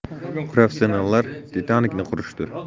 professionallar titanikni qurishdi